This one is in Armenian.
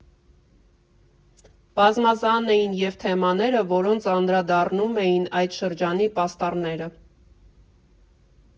Բազմազան էին և թեմաները, որոնց անդրադառնում էին այդ շրջանի պաստառները։